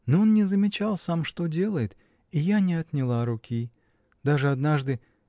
Но он не замечал сам, что делает, — и я не отняла руки. Даже однажды.